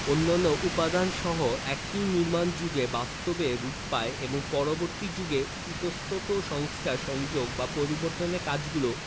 অন্যান্য উপাদানসহ একই নির্মাণযুগে বাস্তবে রূপ পায় এবং পরবর্তী যুগের ইতস্তত সংস্কার সংযোগ বা পরিবর্তনের কাজগুলি